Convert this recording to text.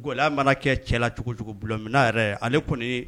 Gɛlɛ mana kɛ cɛ la cogojugu bila minna yɛrɛ ye ale kɔni